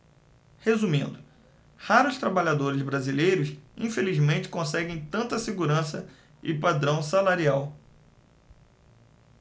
resumindo raros trabalhadores brasileiros infelizmente conseguem tanta segurança e padrão salarial